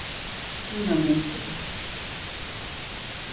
tínar myndir